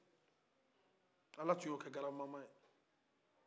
ala tun ye o kɛ grabamama ye